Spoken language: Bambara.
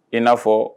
I na fɔ